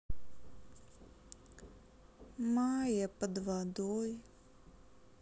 майя под водой